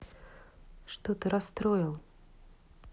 что ты расстроил